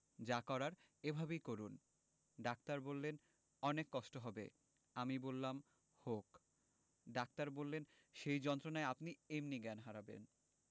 যা করার এভাবেই করুন ডাক্তার বললেন অনেক কষ্ট হবে আমি বললাম হোক ডাক্তার বললেন সেই যন্ত্রণায় আপনি এমনি জ্ঞান হারাবেন